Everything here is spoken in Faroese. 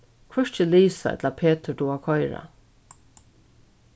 hvørki lisa ella petur duga at koyra